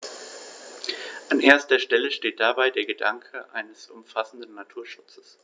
An erster Stelle steht dabei der Gedanke eines umfassenden Naturschutzes.